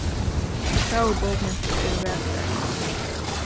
fagurbókmentir er vakrar